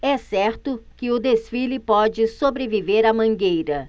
é certo que o desfile pode sobreviver à mangueira